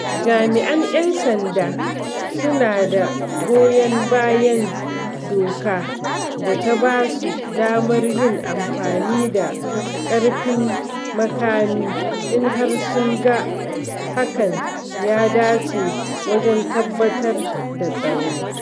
Jami'an 'yan sanda su na da goyon bayan doka da ta ba su damar yin amfani da ƙarfin makami in har sun ga hakan ya dace wajen tabbatar da tsaro.